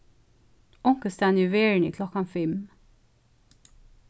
onkustaðni í verðini er klokkan fimm